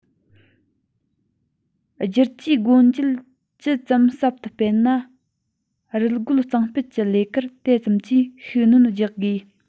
བསྒྱུར བཅོས སྒོ འབྱེད ཇི ཙམ ཟབ ཏུ སྤེལ ན རུལ རྒོལ གཙང སྤེལ གྱི ལས ཀར དེ ཙམ གྱིས ཤུགས སྣོན རྒྱག དགོས